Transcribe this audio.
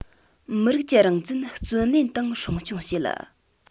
མི རིགས ཀྱི རང བཙན བརྩོན ལེན དང སྲུང སྐྱོང བྱེད